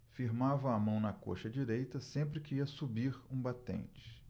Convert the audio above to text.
firmava a mão na coxa direita sempre que ia subir um batente